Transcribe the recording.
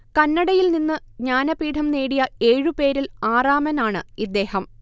കന്നഡയിൽ നിന്നു ജ്ഞാനപീഠം നേടിയ ഏഴുപേരിൽ ആറാമൻ ആണ് ഇദ്ദേഹം